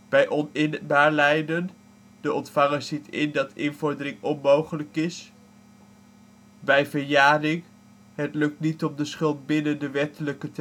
bij oninbaar lijden (de ontvanger ziet in dat invordering onmogelijk is) bij verjaring (het lukt niet om de schuld binnen de wettelijke